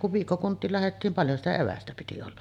ja kun viikkokuntiin lähdettiin paljon sitä evästä piti olla